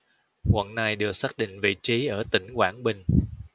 quận này được xác định vị trí ở tỉnh quảng bình